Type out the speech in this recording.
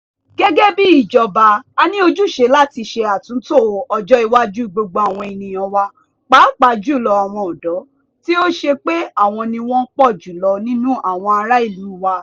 Gẹ́gẹ́ bíi ìjọba a ní ojúṣe láti ṣe àtúntò ọjọ́ iwájú gbogbo àwọn ènìyàn wa, pàápàá jùlọ àwọn ọ̀dọ́, tí ó ṣe pé àwọn ni wọ́n pọ̀ jùlọ nínú àwọn ará ìlú wa.